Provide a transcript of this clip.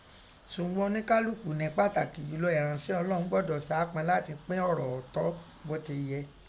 Sùgbọ́n, oníkálukú nẹ́ pàtàkì jùlọ, ẹ̀ránsẹ́ Ọlọ́un gbọ́dọ̀ saápọn láti “pín ọ̀rọ̀ ọ̀ọ́tọ́ bọ́ ti yẹ.